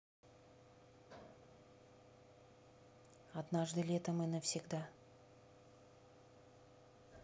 однажды летом и навсегда